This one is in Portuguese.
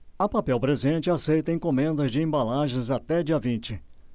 a papel presente aceita encomendas de embalagens até dia vinte